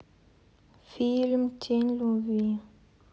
фильм тень любви